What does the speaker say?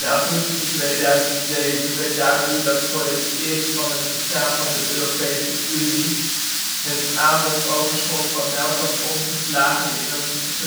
augustus 2007 werd duidelijk dat voor het eerst van het bestaan van de Europese Unie het aanbodoverschot van melk was omgeslagen in een vraagoverschot